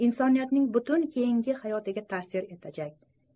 insoniyatning bundan keyingi hayotiga ta'sir etajak